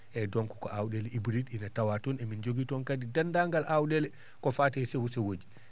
eeyi donc ko aawɗeele hybride ina tawa toon emin jogii toon kadi deenndaangal aawɗeele ko faati e sewo sewooji